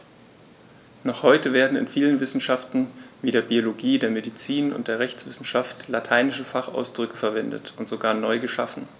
Noch heute werden in vielen Wissenschaften wie der Biologie, der Medizin und der Rechtswissenschaft lateinische Fachausdrücke verwendet und sogar neu geschaffen.